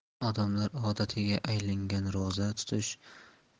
odamlar odatiga aylangan ro'za tutish